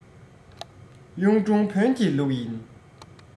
གཡུང དྲུང བོན གྱི ལུགས ཡིན